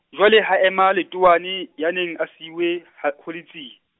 jwale ha ema Letowane, ya neng a siuwe, ha ho Letsie.